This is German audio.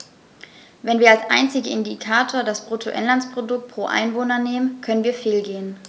Wenn wir als einzigen Indikator das Bruttoinlandsprodukt pro Einwohner nehmen, können wir fehlgehen.